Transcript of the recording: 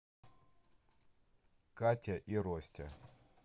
катя и ростя